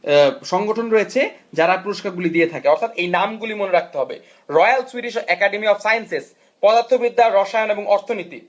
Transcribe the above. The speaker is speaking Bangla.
সংগঠন রয়েছে যারা পুরস্কার গুলো দিয়ে থাকে হঠাৎ এর নাম গুলি মনে রাখতে হবে Royal Swedish Academy of Sciences পদার্থবিদ্যা রসায়ন এবং অর্থনীতি